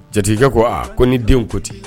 Jatigikɛ ko a ko ni den ko ten